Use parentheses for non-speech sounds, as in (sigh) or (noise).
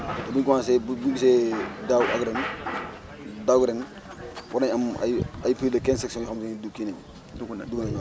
(noise) quinze personnes (noise) te buñ commencé bu bu gisee daaw ak ren (noise) daaw ak ren (crosstalk) war nañ am ay ay plus de quinze sections yoo xam ne du kii nañ